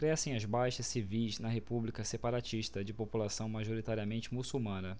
crescem as baixas civis na república separatista de população majoritariamente muçulmana